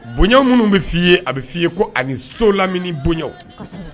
Bonya minnu bɛ f'i ye a bɛ f'i ye ko ani so lamini bonya, kosɛbɛ